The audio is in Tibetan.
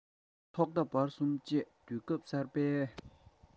ཐོག མཐའ བར གསུམ དུ བཅས དུས སྐབས གསར པའི